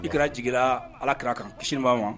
I kɛra jiginra alaki ka kisiba ma